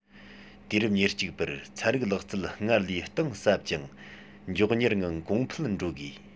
དུས རབས ཉེར གཅིག པར ཚན རིག ལག རྩལ སྔར ལས གཏིང ཟབ ཅིང མགྱོགས མྱུར ངང གོང འཕེལ འགྲོ དགོས